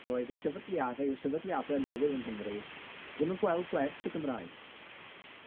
doedd y sefydliadau i'r sefydliadau newydd yn Nghymru ddim yn gweld gwerth y Gymraeg.